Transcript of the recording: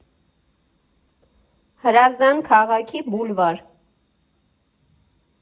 Հրազդան քաղաքի բուլվար։